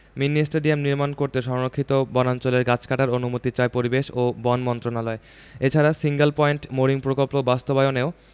mini stadium নির্মাণ করতে সংরক্ষিত বনাঞ্চলের গাছ কাটার অনুমতি চায় পরিবেশ ও বন মন্ত্রণালয় এছাড়া সিঙ্গেল পয়েন্ট মোরিং প্রকল্প বাস্তবায়নেও